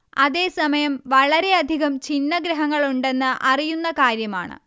അതേ സമയം വളരെയധികം ഛിന്നഗ്രഹങ്ങളുണ്ടെന്നറിയുന്ന കാര്യമാണ്